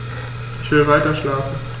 Ich will weiterschlafen.